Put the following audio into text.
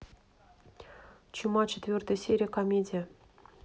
чума четвертая серия комедия